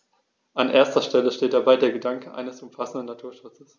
An erster Stelle steht dabei der Gedanke eines umfassenden Naturschutzes.